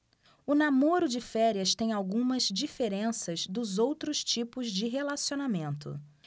o namoro de férias tem algumas diferenças dos outros tipos de relacionamento